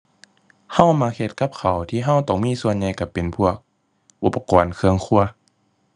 เรามักเฮ็ดกับข้าวที่เราต้องมีส่วนใหญ่เราเป็นพวกอุปกรณ์เครื่องครัว